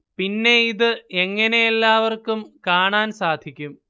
പിന്നെ ഇത് എങ്ങനെ എല്ലാവര്‍ക്കും കാണാന് സാധിക്കും